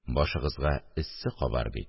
Башыгызга эссе кабар бит